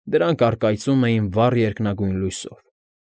Դրանք առկայծում էին վառ երկնագույն լույսով։